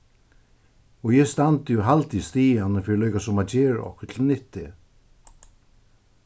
og eg standi og haldi í stiganum fyri líkasum at gera okkurt til nyttu